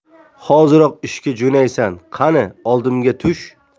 hoziroq ishga jo'naysan qani oldimga tush